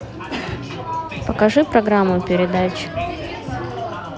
покажи программу передач